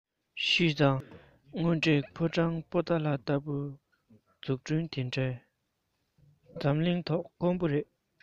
ཞུས ཙང དངོས འབྲེལ ཕོ བྲང པོ ཏ ལ ལྟ བུའི འཛུགས སྐྲུན དེ འདྲ འཛམ གླིང ཐོག དཀོན པོ རེད